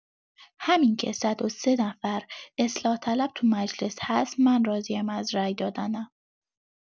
همین که ۱۰۳ نفر اصلاح‌طلب تو مجلس هست من راضیم از رای دادنم.